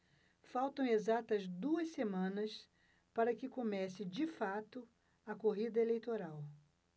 faltam exatas duas semanas para que comece de fato a corrida eleitoral